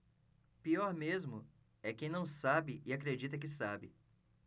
pior mesmo é quem não sabe e acredita que sabe